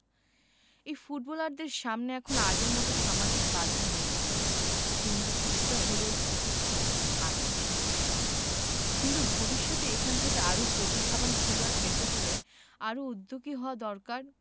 এই ফুটবলারদের সামনে এখন আগের মতো সামাজিক বাধা নেই কিংবা কিছুটা হলেও ঘুচেছে আর্থিক সমস্যা কিন্তু ভবিষ্যতে এখান থেকে আরও প্রতিভাবান খেলোয়াড় পেতে হলে আরও উদ্যোগী হওয়া দরকার